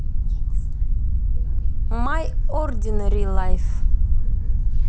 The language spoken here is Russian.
my ordinary life